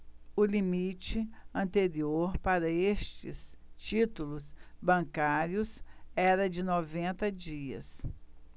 o limite anterior para estes títulos bancários era de noventa dias